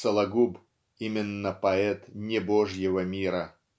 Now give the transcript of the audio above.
Сологуб -- именно поэт небожьего мира.